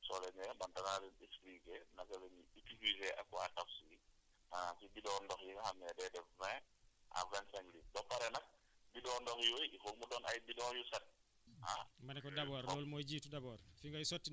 ah suñ ñëwee service d' hygène soo leen ñëwee man danaa leen expliquer naka la ñuy utiliser Aquatabs maanaam suñu bidon ndox yi nga xam ne day def vingt à vingt cinq litre ba pare nag bidon ndox yooyu foog mu doon ay bidon yu set ah